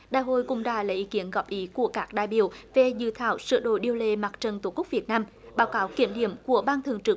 đại hội cũng đã lấy ý kiến góp ý của các đại biểu về dự thảo sửa đổi điều lệ mặt trận tổ quốc việt nam báo cáo kiểm điểm của ban thường trực